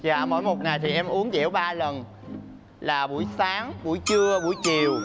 dạ mỗi một ngày thì em uốn dẻo ba lần là buổi sáng buổi trưa buổi chiều